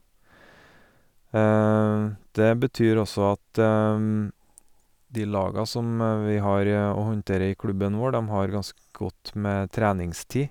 Det betyr også at de laga som vi har og håndterer i klubben vår, dem har ganske godt med treningstid.